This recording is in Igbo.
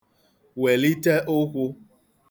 wèlite ụkwụ̄ [Fig.]